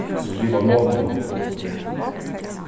skriva notur